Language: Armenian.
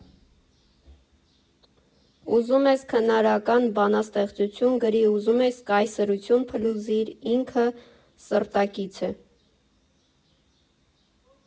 Ուզում ես քնարական բանաստեղծություն գրի, ուզում ես կայսրություն փլուզիր՝ ինքը սրտակից է։